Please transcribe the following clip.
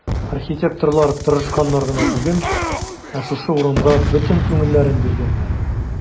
Архитекторлар тырышканнар гына түгел, ә шушы урынга бөтен күңелләрен биргәннәр.